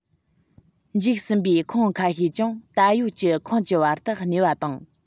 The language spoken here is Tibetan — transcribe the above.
འཇིག ཟིན པའི ཁོངས ཁ ཤས ཀྱང ད ཡོད ཀྱི ཁོངས ཀྱི བར དུ གནས པ དང